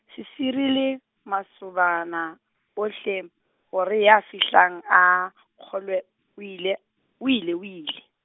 se sirile, masobana ohle, hore ya fihlang a kgolwe, o ile, o ile o ile.